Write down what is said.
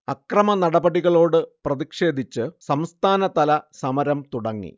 അക്രമനടപടികളോട് പ്രതിക്ഷേധിച്ച് സംസ്ഥാനതല സമരം തുടങ്ങി